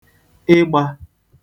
ịgbā